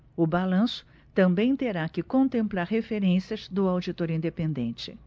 o balanço também terá que contemplar referências do auditor independente